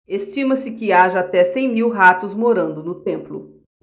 estima-se que haja até cem mil ratos morando no templo